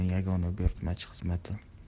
yagona buyurtmachi xizmati